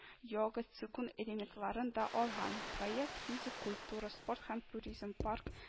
Йога, цигун элементларын да алган. проект физик культура, спорт һәм туризм, парк